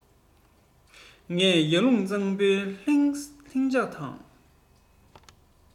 ངས ཡར ཀླུང གཙང པོའི ལྷིང འཇགས དང